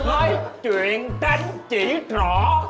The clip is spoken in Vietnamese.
nói chuyện tánh chỉ rỏ